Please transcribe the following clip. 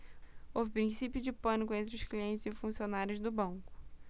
houve princípio de pânico entre os clientes e funcionários do banco